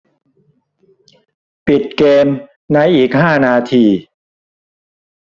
ปิดเกมส์ในอีกห้านาที